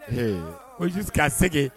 Ee ko jusqu' à ce que